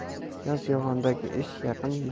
yozyovondagi ish yaqin